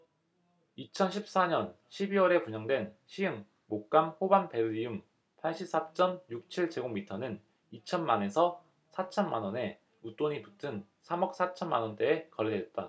이천 십 사 년 십 이 월에 분양된 시흥목감호반베르디움 팔십 사 쩜 육 칠 제곱미터는 이천 만 에서 사천 만원의 웃돈이 붙은 삼 억 사천 만원대에 거래됐다